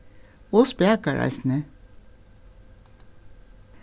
og spakar eisini